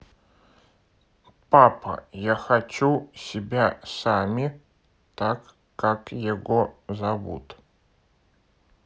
папа я хочу себя сами так как его зовут